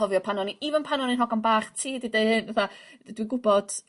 cofio pan o'n i even pan o'n i'n hogan bach ti deu dy hun fatha yy dwi gwybod